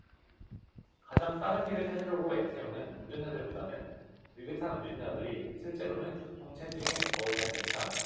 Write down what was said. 가장 빠른 길을 찾으려고 애태우는 운전자들보다는 느긋한 운전자들이 실제로는 교통 체증에 더 잘 대처한다